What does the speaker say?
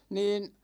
niin